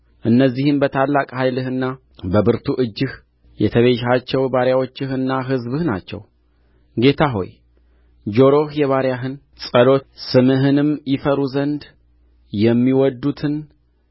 እነዚህም በታላቅ ኃይልህና በብርቱ እጅህ የተቤዠሃቸው ባሪያዎችህና ሕዝብህ ናቸው ጌታ ሆይ ጆሮህ የባሪያህን ጸሎት ስምህንም ይፈሩ ዘንድ የሚወድዱትን